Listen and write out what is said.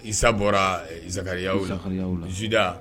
Isa bɔraa ɛɛ Zakariaw la Zahariaw la Juda